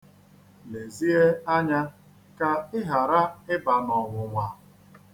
Lezie anya ka ị ghara ịba n'ọnwụnwa.